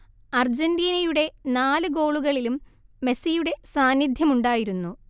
അർജന്റീനയുടെ നാല് ഗോളുകളിലും മെസ്സിയുടെ സാന്നിധ്യമുണ്ടായിരുന്നു